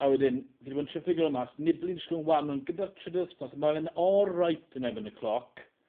A wedyn fi 'di bod yn tri figro fe mas Nibali yn disgwl yn wan ond gyda'r trydydd wthnos ma' fe'n oreit yn erbyn y cloc.